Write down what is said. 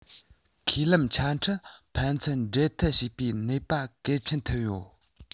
ཁས ལེན ཆ འཕྲིན ཕན ཚུན འབྲེལ མཐུད བྱེད པའི ནུས པ གལ ཆེན ཐོན ཡོད